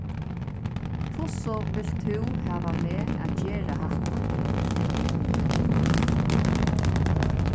hvussu vilt tú hava meg at gera hatta